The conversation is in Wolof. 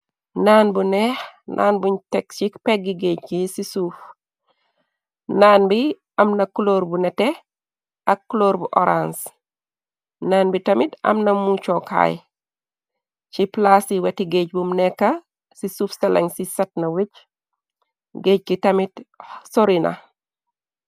Naan bu neex, naan buñ teksik peggi géej ci, ci suuf. Naan bi amna clóor bu nete ak clóor bu orange, naan bi tamit amna mu cookaay, ci plaas i wati géej bum nekka ci suuf salan ci satna wicc, géej ki tamit sorina.